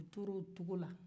u tora o cogo la